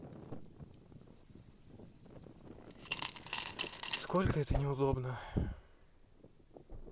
сколько это неудобно